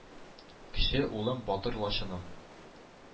Кече улым, батыр лачыным.